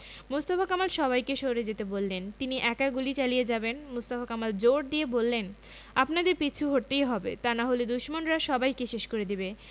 মোস্তফা কামাল সবাইকে সরে যেতে বললেন তিনি একা গুলি চালিয়ে যাবেন মোস্তফা কামাল জোর দিয়ে বললেন আপনাদের পিছু হটতেই হবে তা না হলে দুশমনরা সবাইকে শেষ করে দেবে